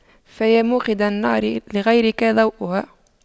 فيا موقدا نارا لغيرك ضوؤها